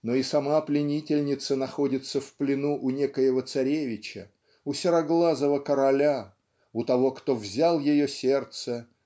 Но и сама пленительница находится в плену у некоего царевича у сероглазого короля у того кто взял ее сердце